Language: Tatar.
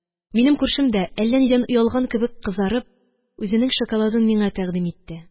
Минем күршем дә, әллә нидән оялган кебек кызарып, үзенең шоколадын миңа тәкъдим итте.